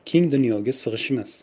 keng dunyoga siyg'ishmas